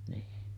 niin